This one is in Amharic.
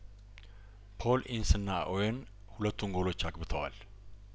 ፖል ኢንስና ኦዌን ሁለቱን ጐሎች አግብተዋል